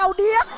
cau điếc